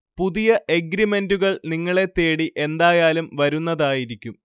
പുതിയ എഗ്രിമെന്റുകൾ നിങ്ങളെ തേടി എന്തായാലും വരുന്നതായിരിക്കും